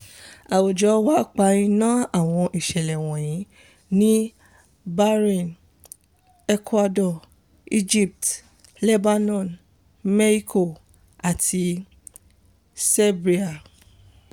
Àwùjọ wa pa iná ipa àwọn ìṣẹ̀lẹ̀ wọ̀nyìí ní Bahrain, Ecuador, Egypt, Lebanon, Mexico àti Serbia.